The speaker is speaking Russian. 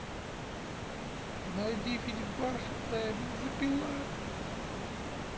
найди фильм бархатная бензопила